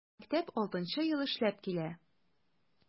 Мәктәп 6 нчы ел эшләп килә.